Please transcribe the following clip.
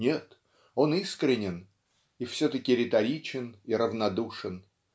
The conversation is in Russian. нет, он искренен и все-таки риторичен и равнодушен